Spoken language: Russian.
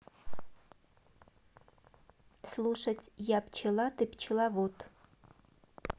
слушать я пчела ты пчеловод